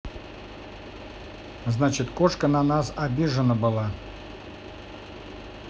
значит кошка на нас обижена была